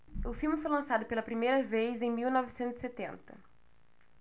o filme foi lançado pela primeira vez em mil novecentos e setenta